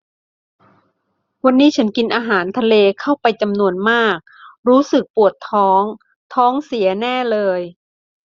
วันนี้ฉันกินอาหารทะเลเข้าไปจำนวนมากรู้สึกปวดท้องท้องเสียแน่เลย